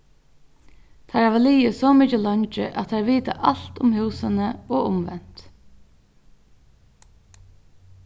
teir hava ligið so mikið leingi at teir vita alt um húsini og umvent